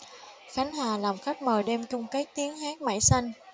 khánh hà làm khách mời đêm chung kết tiếng hát mãi xanh